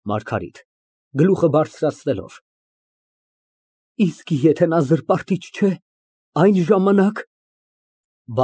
ՄԱՐԳԱՐԻՏ ֊ (Գլուխը բարձրացնելով) Իսկ եթե նա զրպարտիչ չէ, այն ժամանա՞կ։